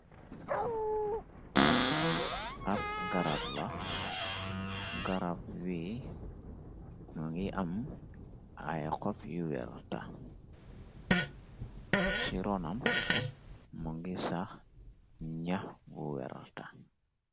Ab garab la, garab bi, mu ngi am ay xob yu werta, chi ronam, mu ngi sax ñax bu werta.